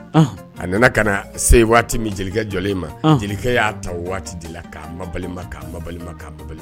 A nana ka se waati min jelikɛ jɔlen ma jelikɛ y'a ta waati de la k'a ma balima balima bali